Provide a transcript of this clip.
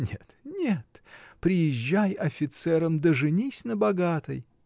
Нет, нет, приезжай офицером да женись на богатой!